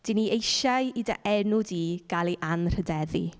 Dan ni eisiau i dy enw di gael ei anrhyddeddu.